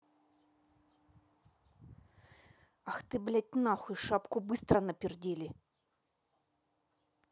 ах ты блядь нахуй шапку быстро напердели